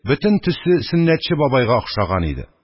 Бөтен төсе сөннәтче бабайга охшаган иде.